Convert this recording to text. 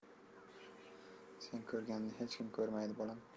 sen ko'rganni hech kim ko'rmaydi bolam